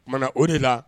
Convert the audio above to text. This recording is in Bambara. O tumaumana o de la